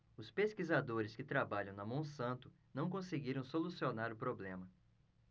os pesquisadores que trabalham na monsanto não conseguiram solucionar o problema